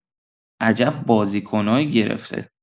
عجب بازیکنایی گرفته